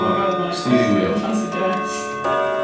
Oh my God, mae 'na costume fancy dress.